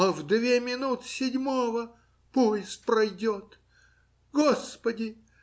А в две минуты седьмого поезд пройдет. Господи!